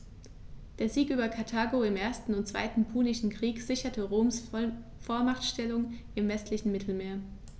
Der Sieg über Karthago im 1. und 2. Punischen Krieg sicherte Roms Vormachtstellung im westlichen Mittelmeer.